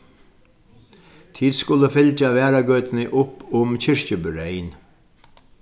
tit skulu fylgja varðagøtuni upp um kirkjubøreyn